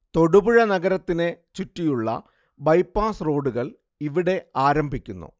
തൊടുപുഴ നഗരത്തിനെ ചുറ്റിയുള്ള ബൈപാസ് റോഡുകൾ ഇവിടെ ആരംഭിക്കുന്നു